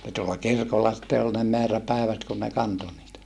niin tuolla kirkolla sitten oli ne määräpäivät kun ne kantoi niitä